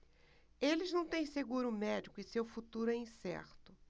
eles não têm seguro médico e seu futuro é incerto